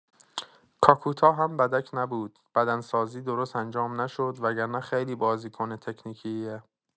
کاکوتا هم بدک نبود بدنسازی درست انجام نشد وگرنه خیلی بازیکن تکنیکیه